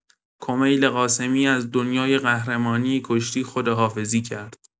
کمیل قاسمی از دنیای قهرمانی کشتی خداحافظی کرد.